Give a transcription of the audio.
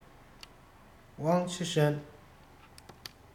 ཝང ཆི ཧྲན